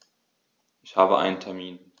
Ich habe einen Termin.